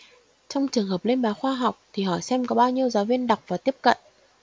trong trường hợp lên báo khoa học thì hỏi xem có bao nhiêu giáo viên đọc và tiếp cận